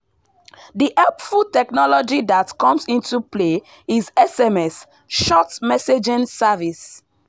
The helpful technology that comes into play is SMS (Short Messaging Service).